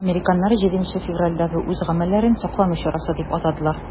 Американнар 7 февральдәге үз гамәлләрен саклану чарасы дип атадылар.